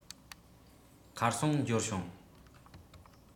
ཁ སང འབྱོར བྱུང